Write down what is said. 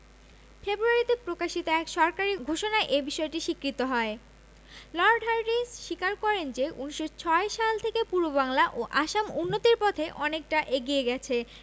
ফেব্রুয়ারিতে প্রকাশিত এক সরকারি ঘোষণায় এ বিষয়টি স্বীকৃত হয় লর্ড হার্ডিঞ্জ স্বীকার করেন যে ১৯০৬ সাল থেকে পূর্ববাংলা ও আসাম উন্নতির পথে অনেকটা এগিয়ে গেছে